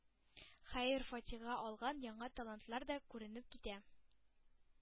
Хәер-фатиха алган яңа талантлар да күренеп китә,